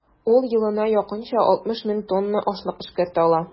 Ул елына якынча 60 мең тонна ашлык эшкәртә ала.